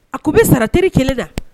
A ko bɛ sara teriri kelen da